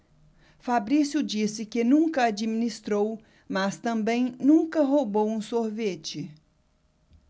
fabrício disse que nunca administrou mas também nunca roubou um sorvete